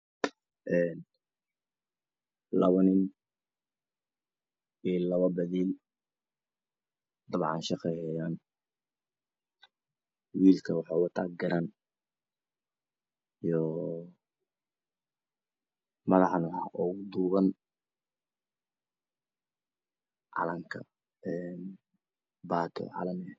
Een labo nin iyo labo badiil dabcan shaqeyhayan wilka waxa watagaran iyo madaxana waxa ugaduban bati calan eh